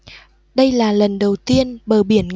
đây là lần đầu tiên bờ biển